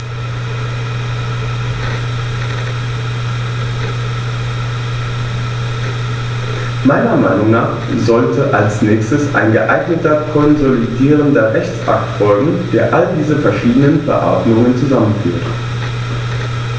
Meiner Meinung nach sollte als nächstes ein geeigneter konsolidierender Rechtsakt folgen, der all diese verschiedenen Verordnungen zusammenführt.